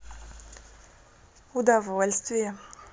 удовольствие